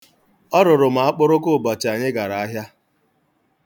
Ha rụrụ m akpụrụka ụbọchị anyị gara ahịa.